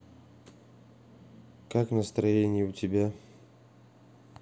как настроение у тебя